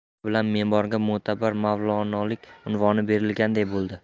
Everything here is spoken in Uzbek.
shu bilan memorga mo'tabar mavlonolik unvoni berilganday bo'ldi